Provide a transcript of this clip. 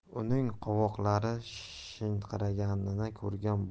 uning qovoqlari shishinqiraganini ko'rgan